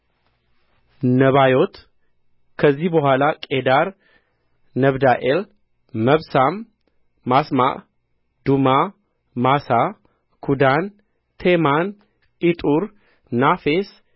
ነባዮት ከዚህ በኋላ ቄዳር ነብዳኤል መብሳም ማስማዕ ዱማ ማሣ ኩዳን ቴማን ኢጡር ናፌስ